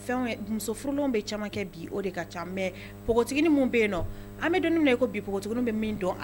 Fɛn donc _ muso furulen bɛ caaman kɛ bi , o de ka caa , mais npogotigininw bɛ minnu bɛ yen an bɛ don min na i ko bi ,npogotigininw bɛ min don